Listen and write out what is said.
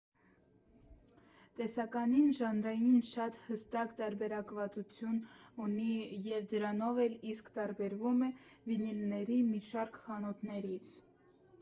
Տեսականին ժանրային շատ հստակ տարբերակվածություն ունի և դրանով էլ իսկ տարբերվում է վինիլների մի շարք խանութներից։